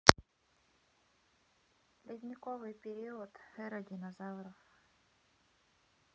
ледниковый период эра динозавров